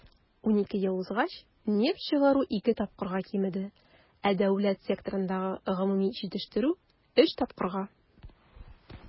12 ел узгач нефть чыгару ике тапкырга кимеде, ә дәүләт секторындагы гомуми җитештерү - өч тапкырга.